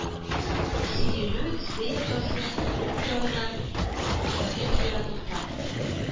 Соелю-Се елгасының уң ярыннан км ераклыкта